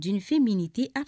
Dununfe min tɛ